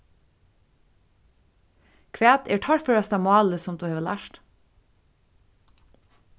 hvat er torførasta málið sum tú hevur lært